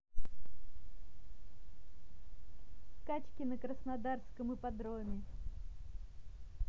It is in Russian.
скачки на краснодарском ипподроме